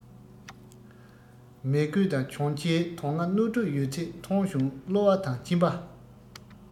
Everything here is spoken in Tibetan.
མལ གོས དང གྱོན ཆས དོན ལྔ སྣོད དྲུག ཡོད ཚད མཐོང བྱུང གློ བ དང མཆིན པ